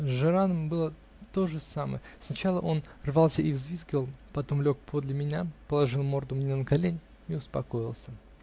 С Жираном было то же самое: сначала он рвался и взвизгивал, потом лег подле меня, положил морду мне на колени и успокоился.